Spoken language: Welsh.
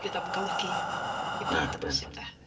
Fydd o'm yn golygu dim byd o bosib de.